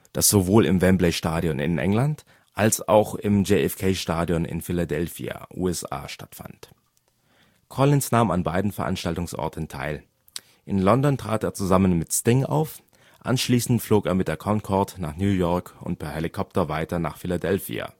das sowohl im Wembley-Stadion in England als auch im JFK-Stadion in Philadelphia, USA stattfand. Collins nahm an beiden Veranstaltungsorten teil. In London trat er zusammen mit Sting auf, anschließend flog er mit der Concorde nach New York und per Helikopter weiter nach Philadelphia